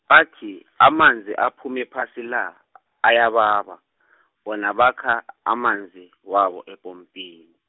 bathi amanzi aphuma phasi la , ayababa , bona bakha amanzi, wabo epompini.